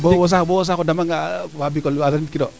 bo wo sax o dama nga waa Bikole wasanit kiro